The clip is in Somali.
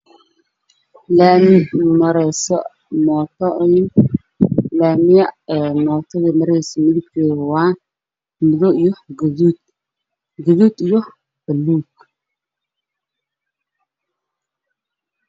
Waa laami waxaa maraayo mooto midabkeedu waa madow iyo gaduud, gaduud iyo buluug.